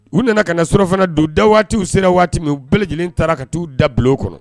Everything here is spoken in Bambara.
U nana ka na surafana dun, dawaati sera waati min,u bɛɛ lajɛlen taara ka t'u da bulon kɔnɔ.